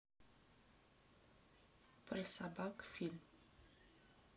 про собак фильм